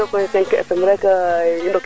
Fatou Diop kama paana le Ndoundokh